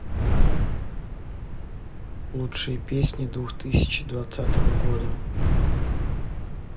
лучшие песни двух тысячи двадцатого года